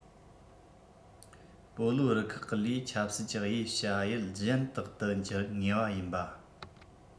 སྤོ ལོ རུ ཁག གི ལས ཆབ སྲིད ཀྱི དབྱེ བྱ ཡུལ གཞན དག ཏུ གྱུར ངེས ཡིན པ